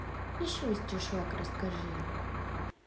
еще стишок расскажи